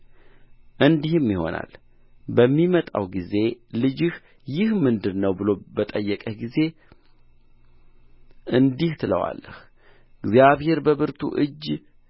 እንዲህም ይሆናል በሚመጣው ጊዜ ልጅህ ይህ ምንድር ነው ብሎ በጠየቀህ ጊዜ እንዲህ ትለዋለህ እግዚአብሔር በብርቱ እጅ